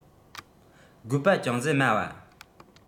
དགོས པ ཅུང ཟད དམའ བ